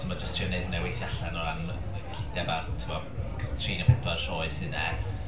So ma' jyst trio wneud i hynna weithio allan o ran cyllideb, a tibod... achos tri neu pedwar sioe sydd 'na.